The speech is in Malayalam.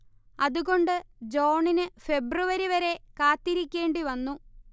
അതുകൊണ്ട് ജോണിന് ഫെബ്രുവരി വരെ കാത്തിരിക്കേണ്ടിവന്നു